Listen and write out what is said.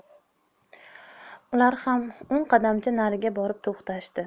ular ham o'n qadamcha nari borib to'xtashdi